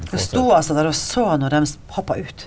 du sto altså der og så når dem hoppa ut?